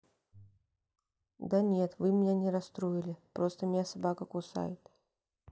да нет вы меня не расстроили просто меня собака кусает